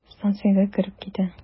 Станциягә кереп китә.